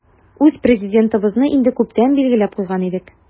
Үз Президентыбызны инде күптән билгеләп куйган идек.